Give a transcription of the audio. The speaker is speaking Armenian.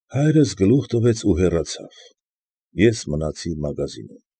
Հայրս գլուխ տվեց ու հեռացավ, ես մնացի մագազինում։